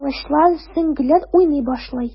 Кылычлар, сөңгеләр уйный башлый.